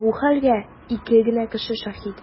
Бу хәлгә ике генә кеше шаһит.